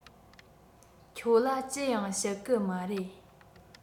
ཁྱོད ལ ཅི ཡང བཤད གི མ རེད